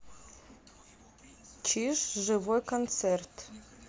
чиж живой концерт